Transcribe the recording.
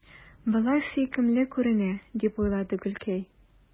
Болай сөйкемле күренә, – дип уйлады Гөлкәй.